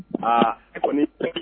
A ko